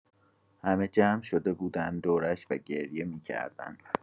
همه جمع شده بودن دورش و گریه می‌کردن.